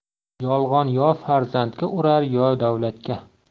yolg'on yo farzandga urar yo davlatga